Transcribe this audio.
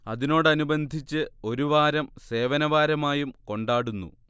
അതിനോടനുബന്ധിച്ച് ഒരു വാരം സേവനവാരമായും കൊണ്ടാടുന്നു